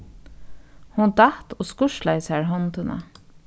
hon datt og skurslaði sær hondina